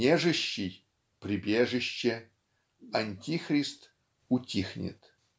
"нежащий -- прибежище", "антихрист -- утихнет")